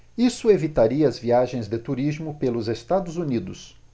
isso evitaria as viagens de turismo pelos estados unidos